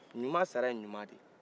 ɲuman sara ye ɲuman de ye